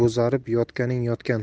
bo'zarib yotganing yotgan